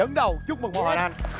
đứng đầu chúc mừng mon hoàng anh